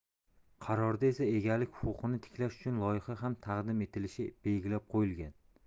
qarorda esa egalik huquqini tiklash uchun loyiha ham taqdim etilishi belgilab qo'yilgan